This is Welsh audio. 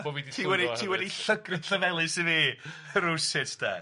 efo hynny. Ti wedi llygru Llefelys i fi rwsut 'de.